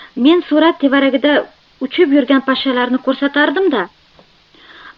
men surat tevaragida uchib yurgan pashshalarni ko'rsatardim da